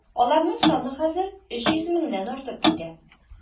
Аларның саны хәзер 300 меңнән артып китә.